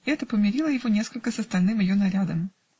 Это помирило его несколько с остальным ее нарядом.